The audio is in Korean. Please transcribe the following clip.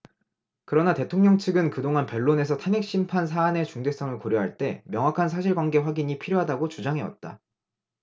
그러나 대통령 측은 그동안 변론에서 탄핵심판 사안의 중대성을 고려할 때 명확한 사실관계 확인이 필요하다고 주장해왔다